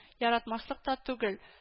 Яратмаслык та түгел